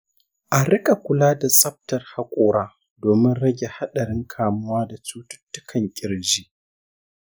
a riƙa kula da tsaftar hakora domin rage haɗarin kamuwa da cututtukan ƙirji.